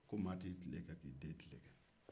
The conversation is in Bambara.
mɔgɔ tɛ i tile kɛ ka i den tile kɛ